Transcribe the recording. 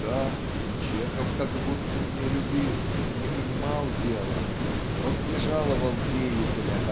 Да, Чехов как будто не любил, не понимал дела. Он не жаловал деятеля